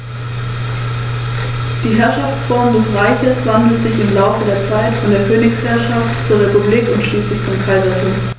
Wie bei allen Arten der Unterfamilie Aquilinae sind die Beine bis zu den sehr kräftigen gelben Zehen befiedert.